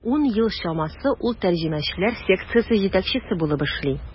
Ун ел чамасы ул тәрҗемәчеләр секциясе җитәкчесе булып эшли.